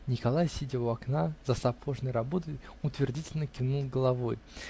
Николай, сидя у окна за сапожной работой, утвердительно кивнул головой.